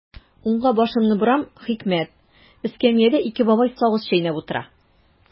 Уңга башымны борам– хикмәт: эскәмиядә ике бабай сагыз чәйнәп утыра.